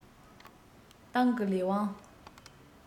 ཏང གི ལས དབང